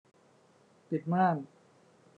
ปิดม่าน